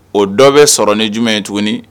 O dɔ bɛ sɔrɔ ni jumɛn ye tuguni